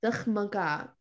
Dychmyga.